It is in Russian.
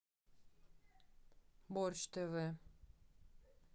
борщ тв